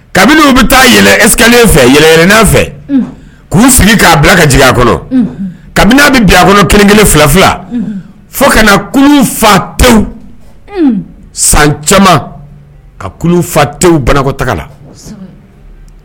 Kabini bɛ taa yɛlɛskale fɛ yɛlɛ yɛlɛrɛnan fɛ k'u sigi k'a bila ka juguya a kɔnɔ kabini bɛ bila a kɔnɔ kelen- kelen fila fila fo ka na kulu fa tewu san caman ka fa te banakɔtaala